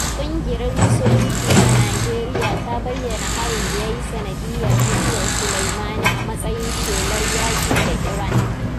ƙungiyar Musulunci a Nijeriya ta bayyana harin da ya yi sanadiyar mutuwar Soleimani a matsayin 'shelar yaƙi da Iran'.